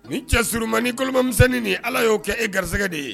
Nin cɛ surunmani ni kolomanmisɛnnin ni ala y'o kɛ e garisɛgɛ de ye